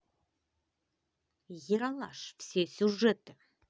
ералаш все сюжеты